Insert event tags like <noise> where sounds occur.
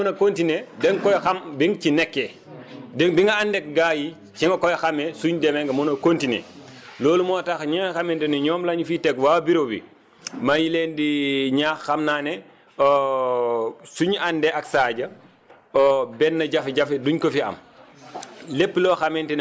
kon nag mbir nag balaa nga koy mën a continuer danga <noise> koy xam bi nga ci nekkee di bi nga àndeeg gaa yi ci nga koy xamee suñ demee nga mën a continuer loolu moo tax ñi nga xamante ne ñoom la ñu fi teg waa bureau bi <smacks lips> maa ngi leen di <hesitation> ñaax xam naa ne <hesitation> su ñu àndee ak Sadio <hesitation> benn jafe-jafe duñ ko fi am